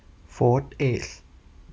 โฟธเอซ